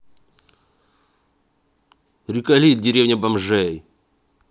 риколит деревня бомжей